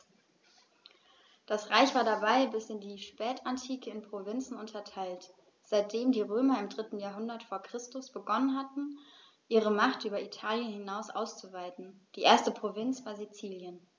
Das Reich war dabei bis in die Spätantike in Provinzen unterteilt, seitdem die Römer im 3. Jahrhundert vor Christus begonnen hatten, ihre Macht über Italien hinaus auszuweiten (die erste Provinz war Sizilien).